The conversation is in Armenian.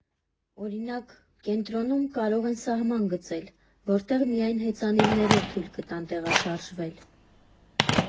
Օրինակ, կենտրոնում կարող են սահման գծել, որտեղ միայն հեծանիվներով թույլ կտան տեղաշարժվել։